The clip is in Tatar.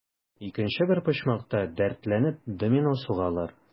Икенче бер почмакта, дәртләнеп, домино сугалар.